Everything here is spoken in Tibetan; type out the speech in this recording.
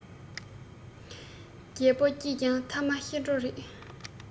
རྒྱལ པོ སྐྱིད ཀྱང ཐ མ ཤི འགྲོ རེད